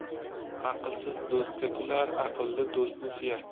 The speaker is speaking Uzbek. aqlsiz do'stga kular aqlli do'stni suyar